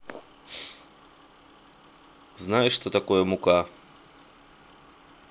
знаешь что такое мука